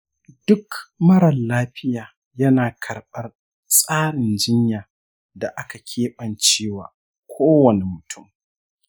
duk marar lafiya yana karbar tsarin jinya da aka kebance wa kowani mutum.